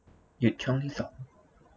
ยึดช่องที่สอง